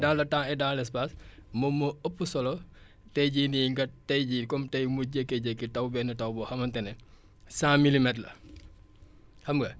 dans le temps et dans l' espace moom moo ëpp solo tey jii nii nga tey jii comme tey mu jékkee-jekki taw benn taw boo xamante ne cent milimètre la xam nga